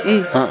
i